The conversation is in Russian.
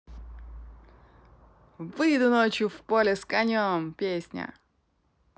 выйду ночью в поле с конем песня